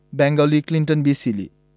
Bengali Clinton B Seely